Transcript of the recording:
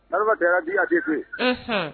Adama garan di a tɛ to yen